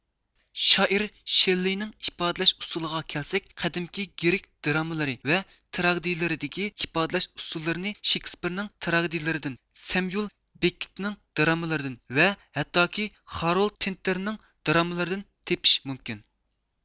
شائىر شېللېينىڭ ئىپادىلەش ئۇسۇلىغا كەلسەك قەدىمى گرېك درامىلىرى ۋە تراگېدىيىلىرىدىكى ئىپادىلەش ئۇسۇللىرىنى شېكسىپېرنىڭ تراگېدىيىلىرىدىن سەميۇل بېككېتنىڭ درامىلىرىدىن ۋە ھەتتاكى خارولد پىنتېرنىڭ درامىلىرىدىن تېپىش مۇمكىن